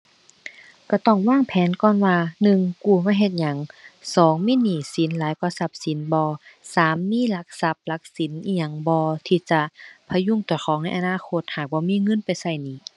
ก็ต้องวางแผนก่อนว่า หนึ่ง กู้มาเฮ็ดหยัง สอง มีหนี้สินหลายกว่าทรัพย์สินบ่ สาม มีหลักทรัพย์หลักสินอิหยังบ่ที่จะพยุงเจ้าของในอนาคตหากบ่มีเงินไปก็หนี้